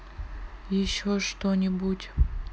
еще что нибудь